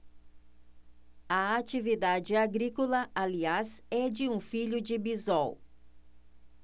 a atividade agrícola aliás é de um filho de bisol